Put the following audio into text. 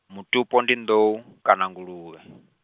mutupo ndi nḓou kana Nguluvhe .